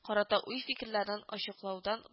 Карата уй-фикерләрен ачыклаудан